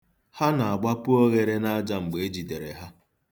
Ha na-agbapu oghere n'aja mgbe e jidere ha.